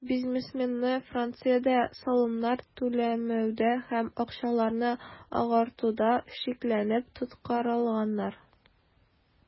Бизнесменны Франциядә салымнар түләмәүдә һәм акчаларны "агартуда" шикләнеп тоткарлаганнар.